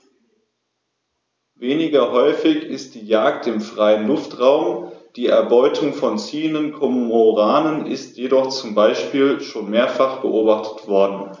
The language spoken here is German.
Weniger häufig ist die Jagd im freien Luftraum; die Erbeutung von ziehenden Kormoranen ist jedoch zum Beispiel schon mehrfach beobachtet worden.